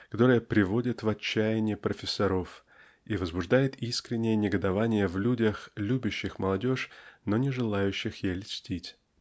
которое приводит в отчаяние профессоров и возбуждает искреннее негодование в людях любящих молодежь но не желающих ей льстить.